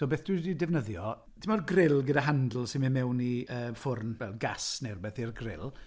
So beth dwi 'di defnyddio, timod grill gyda handles sy'n mynd mewn i yy ffwrn fel gas neu rywbeth i'r grill?